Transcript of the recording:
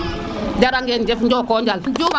jaragen jef njokojal